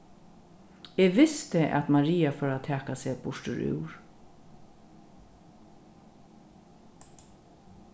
eg visti at maria fór at taka seg burturúr